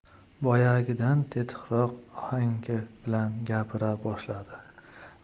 boyagidan tetikroq ohang bilan gapira boshladi